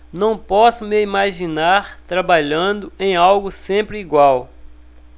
não posso me imaginar trabalhando em algo sempre igual